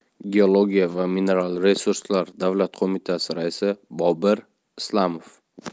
geologiya va mineral resurslar davlat qo'mitasi raisi bobir islamov